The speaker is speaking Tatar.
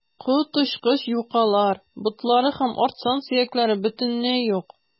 Коточкыч юкалар, ботлары һәм арт сан сөякләре бөтенләй юк.